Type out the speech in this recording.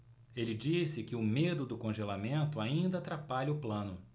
ele disse que o medo do congelamento ainda atrapalha o plano